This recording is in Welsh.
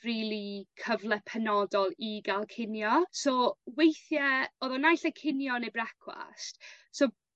rili cyfle penodol i ga'l cinio so weithie o'dd o naill ai cinio ne' brecwast so